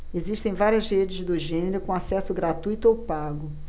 existem várias redes do gênero com acesso gratuito ou pago